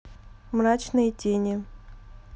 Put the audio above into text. мрачные тени